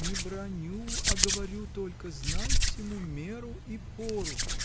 — Не браню, а говорю только: знай всему меру и пору.